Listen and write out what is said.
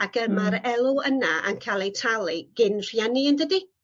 Ac y ma'r elw yna yn ca'l ei talu gin rhieni yndydi?